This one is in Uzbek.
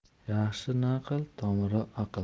yaxshi naql tomiri aql